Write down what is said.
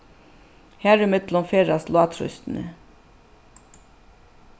har ímillum ferðast lágtrýstini